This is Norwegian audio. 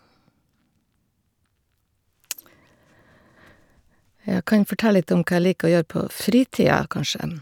Ja, kan fortelle litt om hva jeg liker å gjøre på fritida, kanskje.